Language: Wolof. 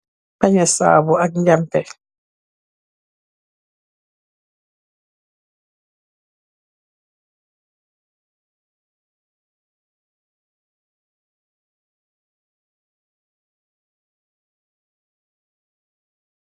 Pañeh saabu ak njampeh.